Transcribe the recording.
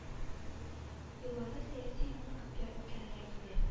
Елларда сәяси юмор күпкә үткерерәк иде